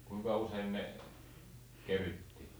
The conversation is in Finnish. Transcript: kuinka usein ne kerittiin